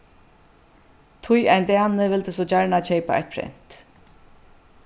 tí ein dani vildi so gjarna keypa eitt prent